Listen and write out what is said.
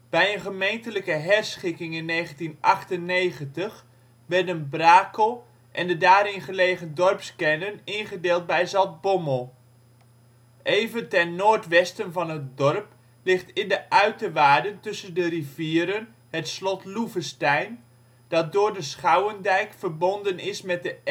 Bij een gemeentelijke herschikking in 1998 werden Brakel en de daarin gelegen dorpskernen ingedeeld bij Zaltbommel. Even ten noordwesten van het dorp ligt in de uiterwaarden tussen de rivieren het slot Loevestein, dat door de Schouwendijk verbonden is met de